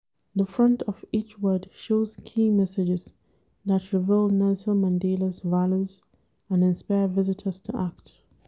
The front of each word shows key messages that reveal Nelson Mandela’s values and inspire visitors to act.